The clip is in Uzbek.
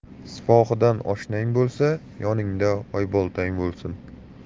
sipohidan oshnang bo'lsa yoningda oyboltang bo'lsin